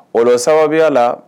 O sababuya la